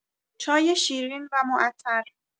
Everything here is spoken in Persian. چای شیرین و معطر